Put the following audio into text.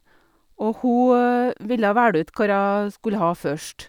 Og hun ville velge ut hva hun skulle ha først.